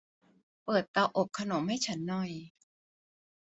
เปิดเตาอบขนมให้ฉันหน่อย